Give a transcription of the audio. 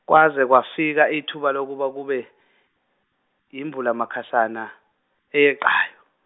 kwaze kwafika ithuba lokuba kube, yimbulumakhasana eyeqayo.